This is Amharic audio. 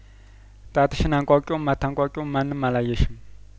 ጣትሽን አንቋቂውም አታንቋቂውም ማንም አላየሽም